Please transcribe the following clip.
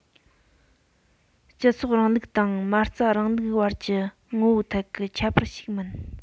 སྤྱི ཚོགས རིང ལུགས དང མ རྩའི རིང ལུགས བར གྱི ངོ བོའི ཐད ཀྱི ཁྱད པར ཞིག མིན